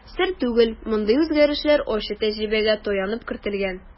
Сер түгел, мондый үзгәрешләр ачы тәҗрибәгә таянып кертелгән.